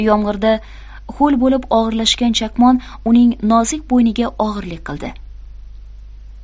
yomg'irda ho'l bo'lib og'irlashgan chakmon uning nozik bo'yniga og'irlik qildi